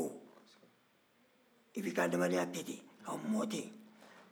i b'i ka adamadenya bɛɛ kɛ ka mɔɔ ten mɛ bi mɔɔ